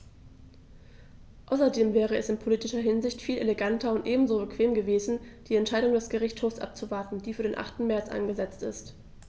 Außerdem wäre es in politischer Hinsicht viel eleganter und ebenso bequem gewesen, die Entscheidung des Gerichtshofs abzuwarten, die für den 8. März angesetzt ist.